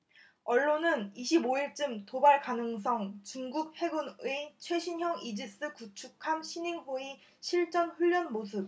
언론은 이십 오 일쯤 도발 가능성중국 해군의 최신형 이지스 구축함 시닝호의 실전훈련 모습